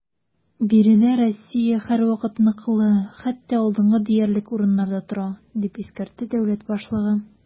Биредә Россия һәрвакыт ныклы, хәтта алдынгы диярлек урыннарда тора, - дип искәртте дәүләт башлыгы.